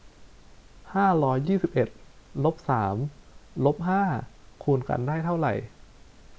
ห้าร้อยยี่สิบเอ็ดลบสามลบห้าคูณกันได้เท่าไหร่